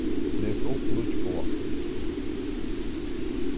les upp nýggj boð